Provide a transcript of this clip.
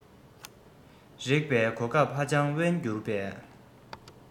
རེག པའི གོ སྐབས ཧ ཅང དབེན འགྱུར པས